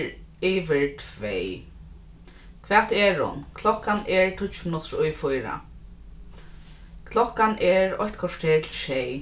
yvir tvey hvat er hon klokkan er tíggju minuttir í fýra klokkan er eitt korter til sjey